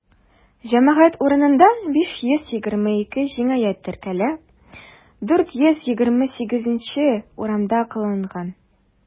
Җәмәгать урыннарында 522 җинаять теркәлеп, 428-е урамда кылынган.